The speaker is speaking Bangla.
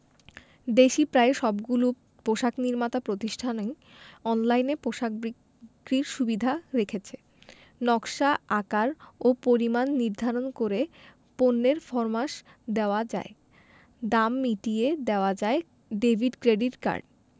দেশি প্রায় সবগুলো পোশাক নির্মাতা প্রতিষ্ঠানই অনলাইনে পোশাক বিক্রির সুবিধা রেখেছে নকশা আকার ও পরিমাণ নির্ধারণ করে পণ্যের ফরমাশ দেওয়া যায় দাম মিটিয়ে দেওয়া যায় ডেভিড ক্রেডিট কার্ড